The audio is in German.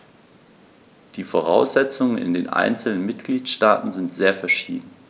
Die Voraussetzungen in den einzelnen Mitgliedstaaten sind sehr verschieden.